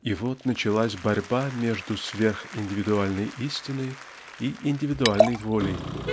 И вот началась борьба между сверхиндивидуальной истиной и индивидуальной волей.